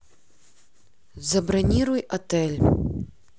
забронируй отель